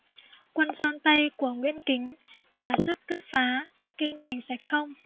quân sơn tây của nguyễn kính thả sức cướp phá kinh thành sạch không